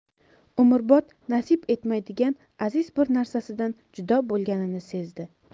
umrbod nasib etmaydigan aziz bir narsasidan judo bolganini sezdi